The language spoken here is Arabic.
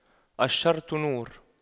الشرط نور